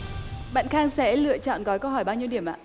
bạn khang sẽ lựa chọn gói câu hỏi bao nhiêu điểm ạ